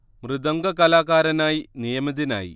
മൃദംഗകലാകാരനായി നിയമിതനായി